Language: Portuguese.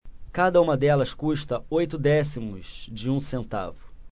cada uma delas custa oito décimos de um centavo